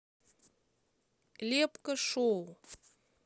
лепка шоу